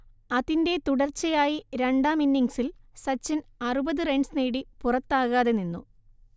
അതിന്റെ തുടർച്ചയായി രണ്ടാം ഇന്നിംങ്സിൽ സച്ചിൻ അറുപത് റൺസ് നേടി പുറത്താകാതെനിന്നു